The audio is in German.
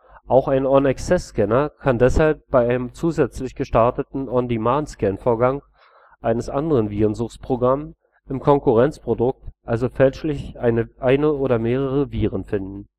Auch ein On-Access-Scanner kann deshalb bei einem zusätzlich gestarteten On-Demand-Scanvorgang eines anderen Virensuchprogramms im Konkurrenzprodukt also fälschlich eine oder mehrere Viren finden